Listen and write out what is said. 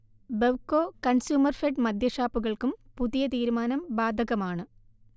ബെവ്കോ, കൺസ്യൂമർഫെഡ് മദ്യഷാപ്പുകൾക്കും പുതിയ തീരുമാനം ബാധകമാണ്